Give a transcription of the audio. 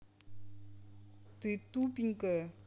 ты тупенькая